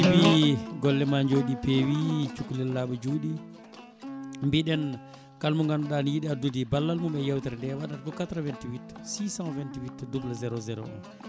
golle ma jooɗi peewi cukalel laaɓa juuɗe mbiɗen kalmo ganduɗa ne yiiɗi addude ballal mum e yewtere nde waɗata ko 88 628 00 01